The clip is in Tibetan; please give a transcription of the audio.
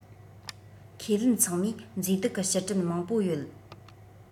ཁས ལེན ཚང མས མཛེས སྡུག གི ཕྱིར དྲན མང པོ ཡོད